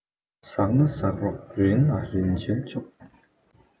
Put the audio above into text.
ཟག ན ཟག ཆོག རིལ ན རིལ ཆོག རེད